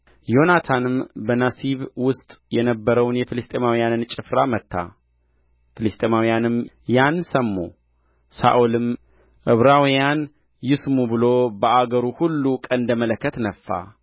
ዮናታንም በናሲብ ውስጥ የነበረውን የፍልስጥኤማውያንን ጭፍራ መታ ፍልስጥኤማውያንም ያን ሰሙ ሳኦልም ዕብራውያን ይስሙ ብሎ በአገሩ ሁሉ ቀንደ መለከት ነፋ